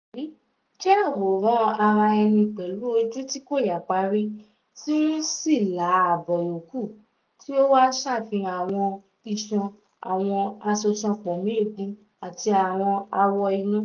"[Èyí] jẹ́ àwòrán ara-ẹni pẹ̀lú ojú tí kò yà parí, tí wọ́n sì la ààbọ̀ yòókù, tí ó wá ń ṣàfihàn àwọn iṣan, àwọn asoṣanpọ̀méegun àti àwọn awọ inú.